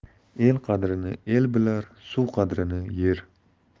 el qadrini el bilar suv qadrini yer